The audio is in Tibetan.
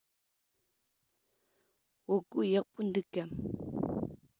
བོད གོས ཡག པོ འདུག གམ